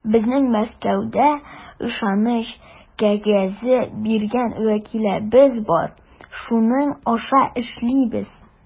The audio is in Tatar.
Безнең Мәскәүдә ышаныч кәгазе биргән вәкилебез бар, шуның аша эшлибез.